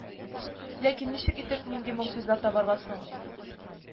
Ләкин ничек итеп, нинди могҗиза табарга соң